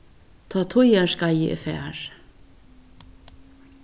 tá tíðarskeiðið er farið